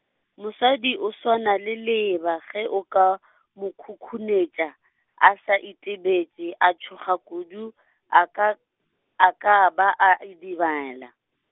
mosadi o swana le leeba ge o ka , mo khukhunetša a sa itebetše a tšhoga kudu, a ka, a ka ba a idibala.